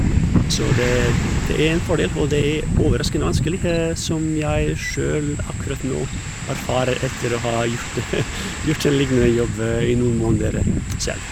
Så det er det er en fordel, og det er overraskende vanskelig, som jeg sjøl akkurat nå erfarer etter å ha gjort gjort en lignende jobb i noen måneder selv.